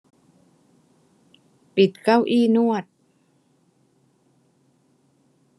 ปิดเก้าอี้นวด